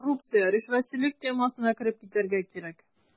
Коррупция, ришвәтчелек темасына кереп китәргә кирәк.